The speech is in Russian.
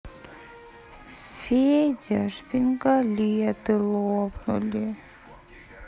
федя шпингалеты лопнули